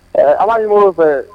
Ɛɛ ala ni ɲɔgɔn fɛ